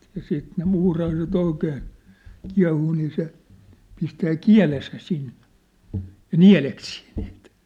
ja sitten ne muurahaiset oikein kiehuu niin se pistää kielensä sinne ja nieleksii niitä